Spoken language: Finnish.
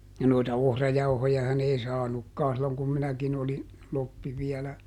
ja noita ohrajauhojahan ei saanutkaan silloin kun minäkin olin kloppi vielä